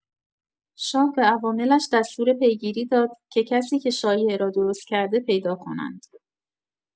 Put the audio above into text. شاه به عواملش دستور پیگیری داد که کسی که شایعه را درست کرده پیدا کنند.